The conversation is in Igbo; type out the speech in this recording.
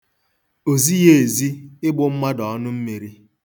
O zighi ezi ịgbụ mmadụ ọnụmmīrī.